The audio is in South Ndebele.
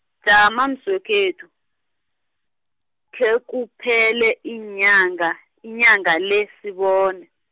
jama mswekhethu, khekuphele iinyanga, inyanga le, sibone.